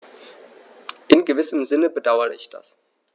In gewissem Sinne bedauere ich das.